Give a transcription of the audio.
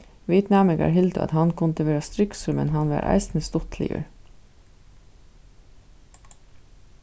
vit næmingar hildu at hann kundi vera striksur men hann var eisini stuttligur